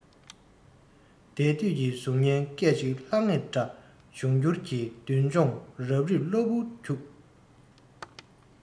འདས དུས ཀྱི གཟུགས བརྙན སྐད ཅིག ལྷང ངེར བཀྲ འབྱུང འགྱུར གྱི མདུན ལྗོངས རབ རིབ གློ བུར འཁྱུགས